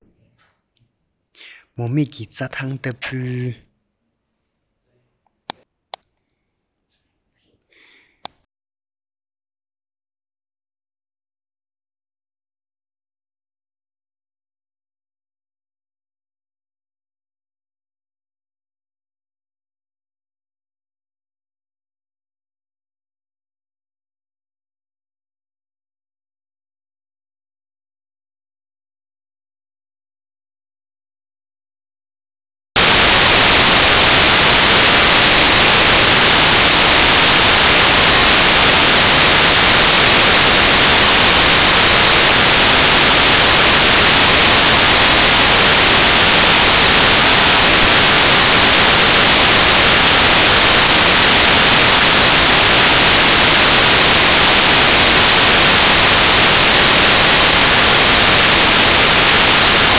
རྒྱ མཚོའི གྲུ གཟིངས བཞིན ལྷོ རུ བསྐྱོད